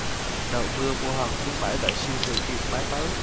đội mưa mua hàng khuyến mãi tại siêu thị điện máy mới